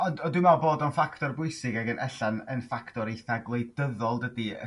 Ond dwi me'l bod o'n ffactor bwysig ag ella'n ffactor eitha' gwleidyddol dydi?